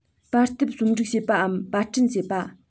པར དེབ རྩོམ སྒྲིག བྱེད པའམ པར སྐྲུན བྱེད པ